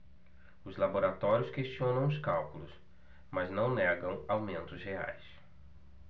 os laboratórios questionam os cálculos mas não negam aumentos reais